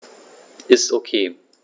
Ist OK.